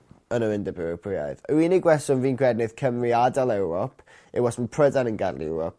yn yr Undeb Ewropreaidd. Yr unig reswm fi'n credu neith Cymru adel Ewrop yw os ma' Prydain yn gadel Ewrop.